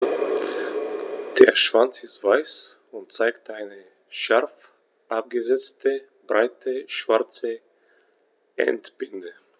Der Schwanz ist weiß und zeigt eine scharf abgesetzte, breite schwarze Endbinde.